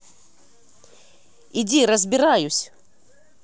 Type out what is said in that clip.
иди разбираюсь